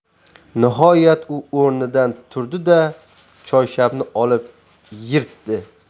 nihoyat u o'rnidan turdi da choyshabni olib yirtdi